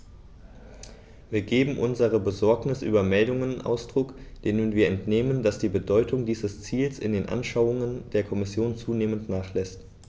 Wir geben unserer Besorgnis über Meldungen Ausdruck, denen wir entnehmen, dass die Bedeutung dieses Ziels in den Anschauungen der Kommission zunehmend nachlässt.